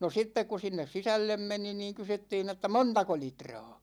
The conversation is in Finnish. no sitten kun sinne sisälle meni niin kysyttiin että montako litraa